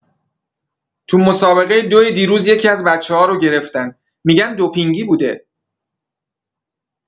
تو مسابقه دو دیروز یکی‌از بچه‌ها رو گرفتن، می‌گن دوپینگی بوده!